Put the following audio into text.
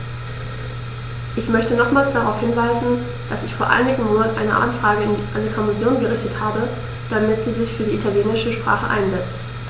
Ich möchte nochmals darauf hinweisen, dass ich vor einigen Monaten eine Anfrage an die Kommission gerichtet habe, damit sie sich für die italienische Sprache einsetzt.